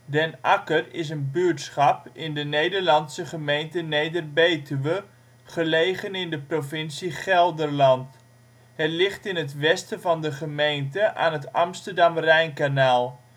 Den Akker is een buurtschap in de Nederlandse gemeente Neder-Betuwe, gelegen in de provincie Gelderland. Het ligt in het westen van de gemeente aan het Amsterdam-Rijnkanaal